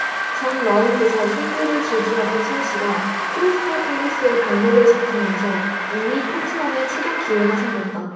전 라운드서 선두를 질주하던 첼시가 크리스탈 팰리스에 발목을 잡히면서 이 위 토트넘에 추격 기회가 생겼다